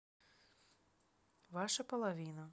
ваша половина